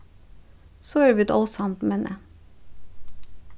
so eru vit ósamd meðni